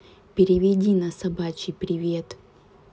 переведи на собачий привет